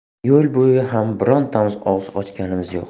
yo'l bo'yi ham birontamiz og'iz ochganimiz yo'q